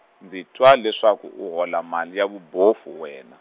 ndzi twa leswaku u hola mali ya vubofu wena.